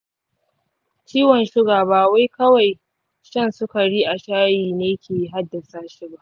ciwon suga ba wai kawai shan sukari a shayi ne ke haddasa shi ba.